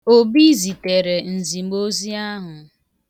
Obi zitere nzimozi ahụ.